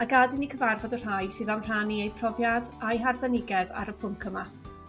A gad i ni cyfarfod y rhai sydd am rhannu eu profiad a'u harbenigedd ar y pwnc yma.